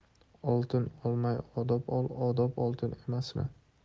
oltin olmay odob ol odob oltin emasmi